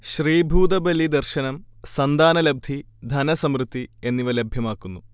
ശ്രീഭൂതബലി ദർശനം സന്താനലബ്ധി, ധനസമൃദ്ധി എന്നിവ ലഭ്യമാക്കുന്നു